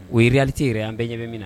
O ye tɛ yɛrɛ an bɛɛ ɲamina na